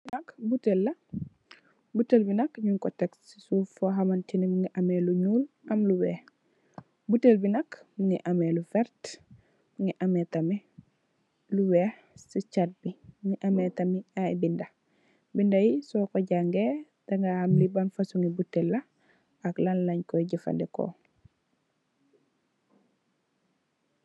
Lee nak botel la botel be nak nugku tek fohamtene muge ameh lu nuul amlu weex botel be nak muge ameh lu verte muge ameh tamin lu weex se chate be muge ameh tamin aye beda beda ye soku jange dagay ham le ban fosunge botel la ak lanlenkoye jufaneku.